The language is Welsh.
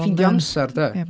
Ffeindio amser de?